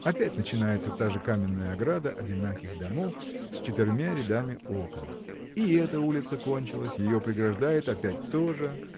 опять начинается та же каменная ограда одинаких домов с четырьмя рядами окон. И эта улица кончилась ее преграждает опять то же